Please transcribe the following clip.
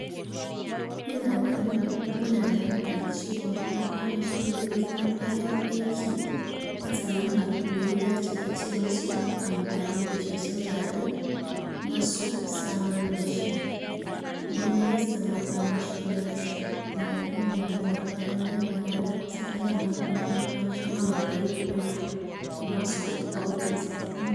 "Ina ganin mu na da ra'ayi cewa makamashi ba zai zama kayan aikin matsa lamba daya dace ace masu amfani dashi sun zabi masu samar dashi," in ji ministan makamashi na Rasha Aleksandr Novak bayan ganawa da Sakataren Harkokin Makamashin Amurka Rick Perry a Moscow a watan Satumba.